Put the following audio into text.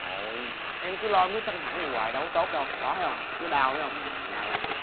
thôi em cứ lo mới căng thẳng vậy hoài đâu có tốt đâu đó thấy hông nó đau thấy hông còn đau hông